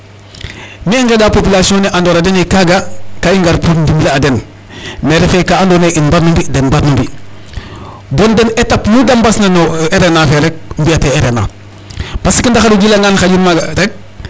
Mais i nqeɗaa population ne andoona den ee kaaga ka i ngar pour ndimle a den mais refee ka andoonaye in mbarno mbi' ,den mbarno mbi' bo den étape nu da mbaasna no RNA fe rek mbi'atee RNA .